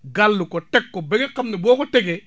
gàll ko teg ko ba nga xam ne boo ko tegee